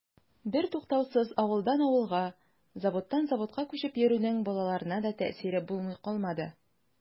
Бертуктаусыз авылдан авылга, заводтан заводка күчеп йөрүнең балаларына да тәэсире булмый калмады.